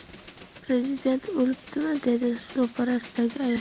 prezident o'libdimi dedi ro'parasidagi ayol